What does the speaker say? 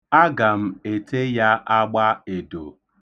Aga m ete ya agba edo.